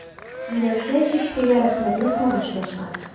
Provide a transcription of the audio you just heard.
Миләүшә Чәчкәгә рәхмәтле караш ташлады.